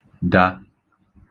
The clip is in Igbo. dā